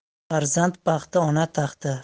farzand baxti ona taxti